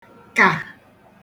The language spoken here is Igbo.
kà